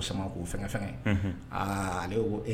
Sama ko fɛn fɛn ye